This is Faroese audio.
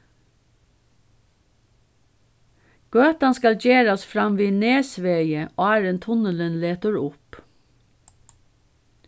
gøtan skal gerast framvið nesvegi áðrenn tunnilin letur upp